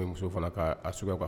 A muso fana ka sokɛ kan